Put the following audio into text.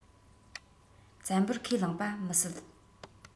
བཙན པོར ཁས བླངས པ མི སྲིད